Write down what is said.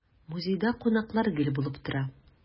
Музейда кунаклар гел булып тора.